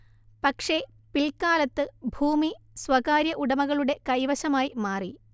പക്ഷേ പിൽക്കാലത്ത് ഭൂമി സ്വകാര്യ ഉടമകളുടെ കൈവശമായി മാറി